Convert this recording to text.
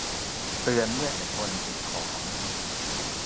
เตือนเมื่อจะชนสิ่งของ